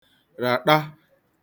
ràṭa